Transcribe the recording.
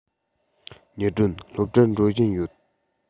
ཉི སྒྲོན སློབ གྲྭར འགྲོ བཞིན ཡོད